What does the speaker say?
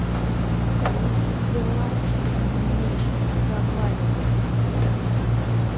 салют тебе лайк что ты не умеешь разговаривать